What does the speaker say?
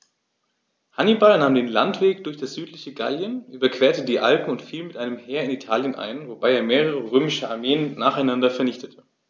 Hannibal nahm den Landweg durch das südliche Gallien, überquerte die Alpen und fiel mit einem Heer in Italien ein, wobei er mehrere römische Armeen nacheinander vernichtete.